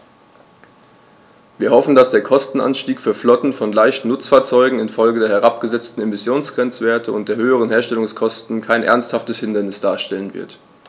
Wir hoffen, dass der Kostenanstieg für Flotten von leichten Nutzfahrzeugen in Folge der herabgesetzten Emissionsgrenzwerte und der höheren Herstellungskosten kein ernsthaftes Hindernis darstellen wird.